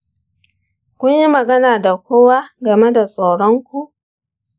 kun yi magana da kowa game da tsoronku?